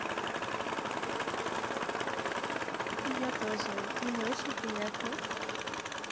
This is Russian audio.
я тоже мне очень приятно